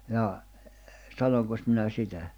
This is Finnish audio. jaa sanoinkos minä sitä